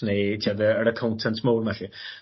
neu t'od yy yr accountant mowr 'ma 'lly.